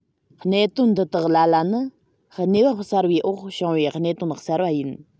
གནད དོན འདི དག ལ ལ ནི གནས བབ གསར པའི འོག བྱུང བའི གནད དོན གསར པ ཡིན